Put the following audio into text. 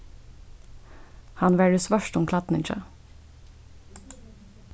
hann var í svørtum klædningi